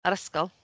Yr ysgol.